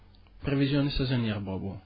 prévision saisonnière boobu